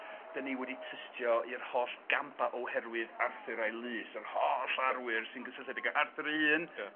'dyn ni wedi tystio i'r holl gamba oherwydd Arthur a'i lys, yr holl arwyr sy'n gysylltiedig a Arthur un. Ia.